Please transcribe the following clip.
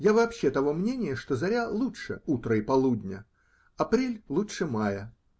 Я вообще того мнения, что заря лучше утра и полудня, апрель лучше мая.